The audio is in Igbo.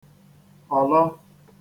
ọ̀lọ